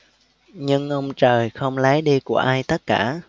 nhưng ông trời không lấy đi của ai tất cả